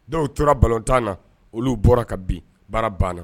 Dɔw tora balotan na olu bɔra ka bin baara banna